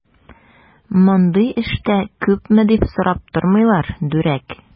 Мондый эштә күпме дип сорап тормыйлар, дүрәк!